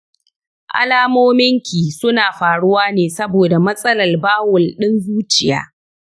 “alamominki suna faruwa ne saboda matsalar bawul ɗin zuciya.